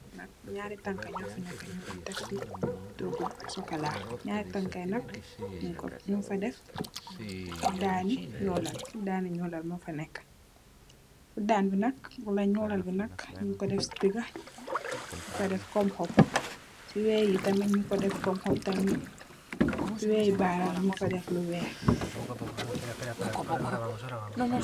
Lii nak njaari tankah njur fii neka njung kor tek cii tohgu chocolat, njaari tankah yii nak njung kor njung fa deff fudaani njolal fudaani njullal mofa neka, fudan bii nak wala njullal bii nak njung kor deff cii digah, njung fa deff kom hohb, cii wehyyi tamit njung kor deff kom hohb tamit, cii wehyyi baram yii njung fa deff lu wekh.